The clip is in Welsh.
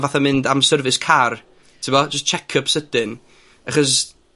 fatha mynd am service car, t'mo', jys check up sydyn, achos